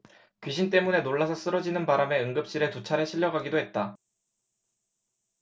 귀신 때문에 놀라서 쓰러지는 바람에 응급실에 두 차례 실려가기도 했다